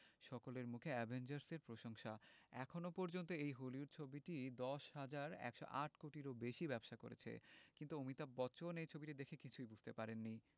সকলের মুখে অ্যাভেঞ্জার্স এর প্রশংসা এখনও পর্যন্ত এই হলিউড ছবিটি ১০১০৮ কোটিরও বেশি ব্যবসা করেছে কিন্তু অমিতাভ বচ্চন এই ছবিটি দেখে কিছুই বুঝতে পারেননি